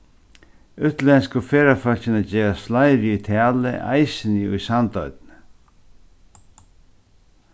útlendsku ferðafólkini gerast fleiri í tali eisini í sandoynni